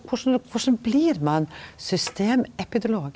korleis korleis blir ein systemepidemiolog?